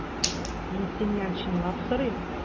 Мин синнән чынлап сорыйм.